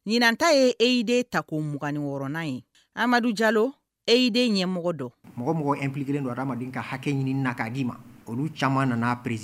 Ɲinan ta ye EID tako 26nan ye Amadu Jalo EID ɲɛmɔgɔ dɔ : mɔgɔ o mɔgɔ impliqué len don hadamaden ka hakɛ ɲinini na k'a d'i ma olu caman nana prési